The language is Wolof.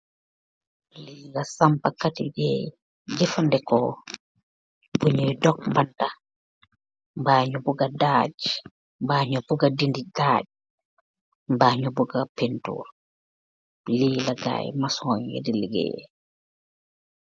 Lilah sampakateh dey jefandekox , bu nyoi dokk bann taxx bah nu bugax dagg , baax juux bukaah dindeh dagg, baax nu bugax panturr li; laax gaai masoon yi di legayyex.